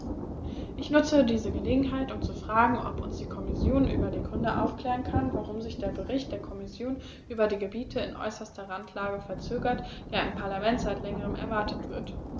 Ich nutze diese Gelegenheit, um zu fragen, ob uns die Kommission über die Gründe aufklären kann, warum sich der Bericht der Kommission über die Gebiete in äußerster Randlage verzögert, der im Parlament seit längerem erwartet wird.